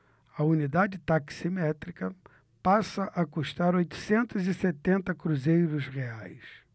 a unidade taximétrica passa a custar oitocentos e setenta cruzeiros reais